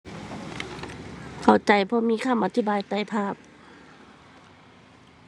เข้าใจเพราะมีคำอธิบายใต้ภาพ